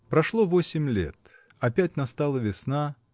Прошло восемь лет. Опять настала весна.